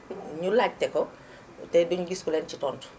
ñu laajte ko te duñu gis ku leen ci tontu